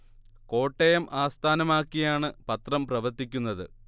കോട്ടയം ആസ്ഥാനം ആക്കി ആണ് പത്രം പ്രവർത്തിക്കുന്നത്